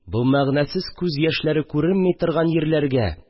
Бу мәгънәсез күз яшьләре күренми торган йирләргә